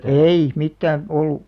ei mitään ollut